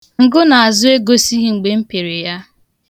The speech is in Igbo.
Ngụnaazụ egosighị mgbe m pịrị ya.